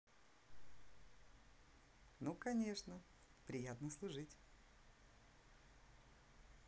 ну конечно приятно служить